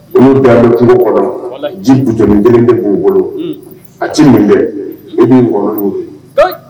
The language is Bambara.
Olu dalen bɛ kungo kɔnɔ. Walayi. Ji bouton nin kelen de b'u bolo. Un! A tɛ min dɛ, i b'i ngɔɔnɔ ɲegin. Heyi!